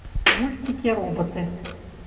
мультики роботы